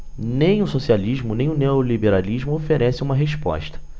nem o socialismo nem o neoliberalismo oferecem uma resposta